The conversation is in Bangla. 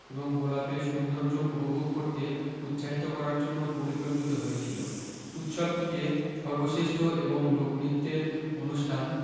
এবং গোলাপের সৌন্দর্য উপভোগ করতে উৎসাহিত করার জন্য পরিকল্পিত হয়েছিলো উৎসবটিতে সর্বশ্রেষ্ঠ এবং লোকনৃত্যের অনুষ্ঠান